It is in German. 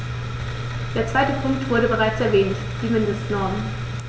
Der zweite Punkt wurde bereits erwähnt: die Mindestnormen.